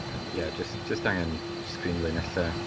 Ymm ia, jyst jyst angen sgrinlun ella.